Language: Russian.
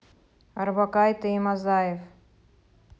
орбакайте и мазаев